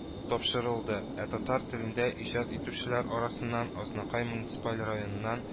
Тапшырылды, ә татар телендә иҗат итүчеләр арасыннан – азнакай муниципаль районыннан